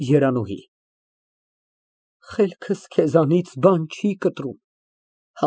ԵՐԱՆՈՒՀԻ ֊ Խելքս քեզանից բան չի կտրում։